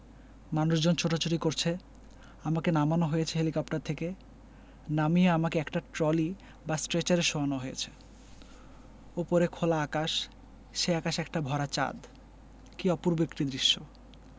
মানুষজন ছোটাছুটি করছে আমাকে নামানো হয়েছে হেলিকপ্টার থেকে নামিয়ে আমাকে একটা ট্রলি বা স্ট্রেচারে শোয়ানো হয়েছে ওপরে খোলা আকাশ সেই আকাশে একটা ভরা চাঁদ কী অপূর্ব একটি দৃশ্য